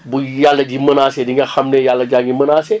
bu yàlla ji menacé li nga xam ne yàlla jaa ngi menacé